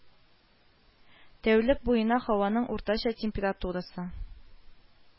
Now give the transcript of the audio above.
Тәүлек буена һаваның уртача температурасы